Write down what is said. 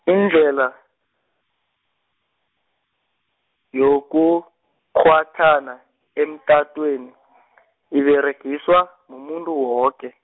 indlhela yokukghwathana emtatweni iberegiswa, mumuntu woke.